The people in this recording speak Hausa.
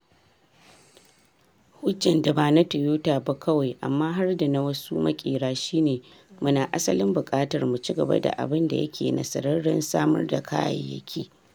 “Hujjan da ba na Toyota ba kawai amma har da na wasu makera shi ne mu na asalin bukatar mu ci gaba da abun da yake nasarraren samar da kayaki.”